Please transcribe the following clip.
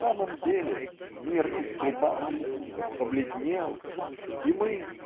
в самом деле мир истрепался побледнел и мы